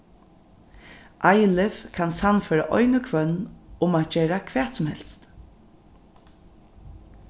eilif kann sannføra ein og hvønn um at gera hvat sum helst